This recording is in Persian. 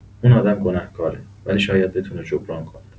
اون آدم گنه‌کاره، ولی شاید بتونه جبران کنه.